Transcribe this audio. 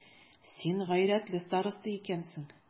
Син гайрәтле староста икәнсең.